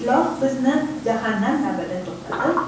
iloh bizni jahannam labida to'xtatib